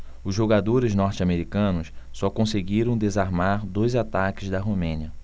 os jogadores norte-americanos só conseguiram desarmar dois ataques da romênia